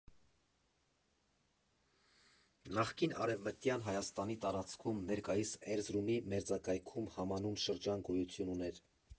Նախկին Արևմտյան Հայաստանի տարածքում՝ ներկայիս Էրզրումի մերձակայքում, համանուն շրջան գոյություն ուներ։